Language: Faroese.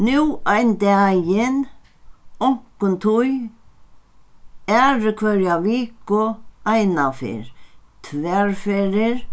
nú ein dagin onkuntíð aðru hvørja viku einaferð tvær ferðir